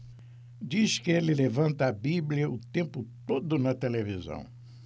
diz que ele levanta a bíblia o tempo todo na televisão